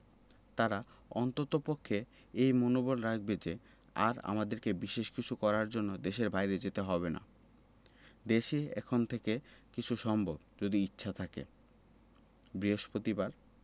তারা অন্ততপক্ষে এই মনোবল রাখবে যে আর আমাদেরকে বিশেষ কিছু করার জন্য দেশের বাইরে যেতে হবে না দেশেই এখন অনেক কিছু সম্ভব যদি ইচ্ছা থাকে বৃহস্পতিবার